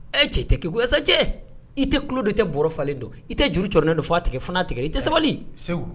Ɛ cɛ tɛ cɛ i tɛ tulolo de tɛ baro falenlen don i tɛ juru cɛ don a tigɛ f tigɛ i tɛ sabali segu